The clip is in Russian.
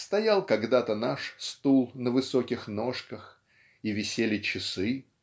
стоял когда-то наш стул на высоких ножках и висели часы